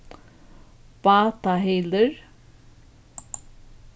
bátahylur